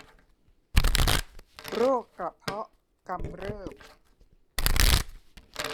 โรคกระเพาะกำเริบ